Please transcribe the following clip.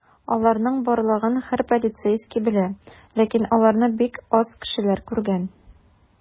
Аларның барлыгын һәр полицейский белә, ләкин аларны бик аз кешеләр күргән.